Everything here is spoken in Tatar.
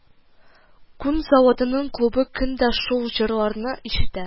Күн заводының клубы көн дә шул җырларны ишетә